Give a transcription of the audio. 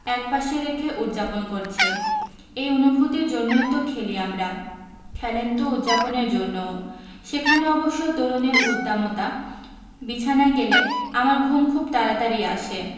একপাশে রেখে উদ্যাপন করছে এই অনুভূতির জন্যই তো খেলি আমরা খেলেন তো উদ্যাপনের জন্যও সেখানে অবশ্য তরুণের উদ্দামতা বিছানায় গেলে আমার ঘুম খুব তাড়াতাড়িই আসে